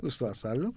oustaz Sall